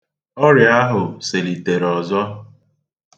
Ọrịa ahụ selitere ọzọ.